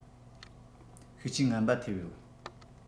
ཤུགས རྐྱེན ངན པ ཐེབས ཡོད